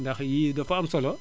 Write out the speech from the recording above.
ndax yii dafa am solo